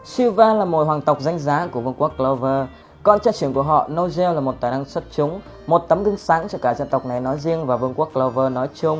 silva là hoàng tộc danh giá của vương quốc clover con trai trưởng của họ nozel là tài năng xuất chúng tấm gương sáng cho cả gia tộc này nói riêng và vương quốc clover nói chung